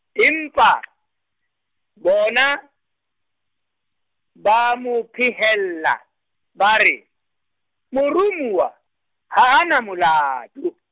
empa , bona, ba mo phehella, ba re, moromuwa, ha a na molato.